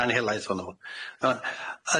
Rhan helaeth ohono fo.